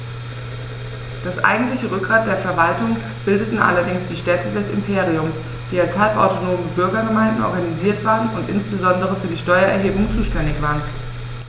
Das eigentliche Rückgrat der Verwaltung bildeten allerdings die Städte des Imperiums, die als halbautonome Bürgergemeinden organisiert waren und insbesondere für die Steuererhebung zuständig waren.